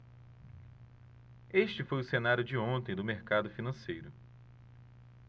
este foi o cenário de ontem do mercado financeiro